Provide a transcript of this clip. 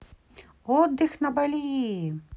отдых на бали